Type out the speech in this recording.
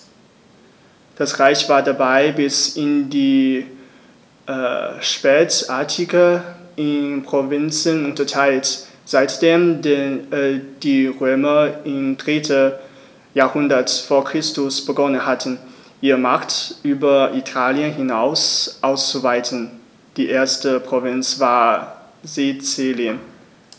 Das Reich war dabei bis in die Spätantike in Provinzen unterteilt, seitdem die Römer im 3. Jahrhundert vor Christus begonnen hatten, ihre Macht über Italien hinaus auszuweiten (die erste Provinz war Sizilien).